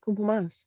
cwmpo mas.